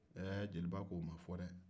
ɛ jeliba k'o ma fɔ dɛ